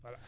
voilà